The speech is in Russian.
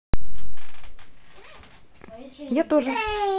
я тоже